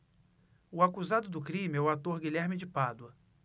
o acusado do crime é o ator guilherme de pádua